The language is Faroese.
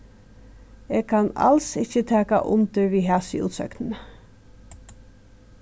eg kann als ikki taka undir við hasi útsøgnini